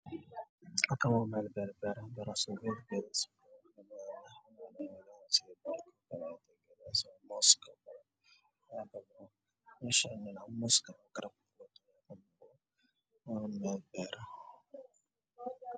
Hal kan waa meel beer beer ah